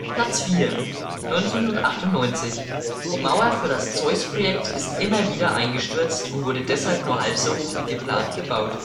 Platz 4: 1998: Die Mauer für das Zeus-Projekt ist immer wieder eingestürzt und wurde deshalb nur halb so hoch wie geplant gebaut